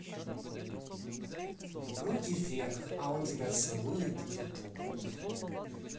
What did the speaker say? руки вверх а он тебя целует youtube